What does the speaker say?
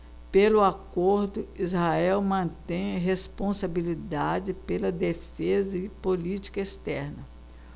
pelo acordo israel mantém responsabilidade pela defesa e política externa